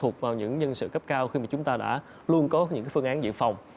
thuộc vào những nhân sự cấp cao khi mà chúng ta đã luôn có những phương án dự phòng